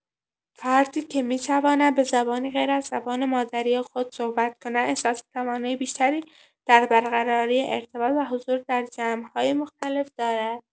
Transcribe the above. فردی که می‌تواند به زبانی غیراز زبان مادری خود صحبت کند، احساس توانایی بیشتری در برقراری ارتباط و حضور در جمع‌های مختلف دارد.